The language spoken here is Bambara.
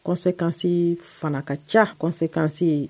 Conséquence fana ka ca conséquence